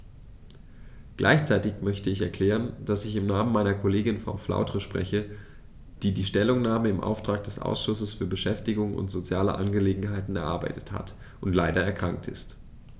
Gleichzeitig möchte ich erklären, dass ich im Namen meiner Kollegin Frau Flautre spreche, die die Stellungnahme im Auftrag des Ausschusses für Beschäftigung und soziale Angelegenheiten erarbeitet hat und leider erkrankt ist.